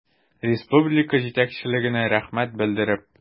Республика җитәкчелегенә рәхмәт белдереп.